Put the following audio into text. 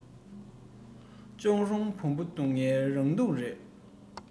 ལྕོག རོང བོང བུ སྡུག ཀྱང རང སྡུག རེད